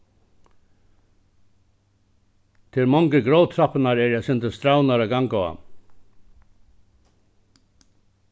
tær mongu gróttrappurnar eru eitt sindur strævnar at ganga á